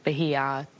by' hi a